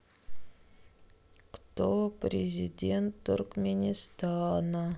кто президент туркменистана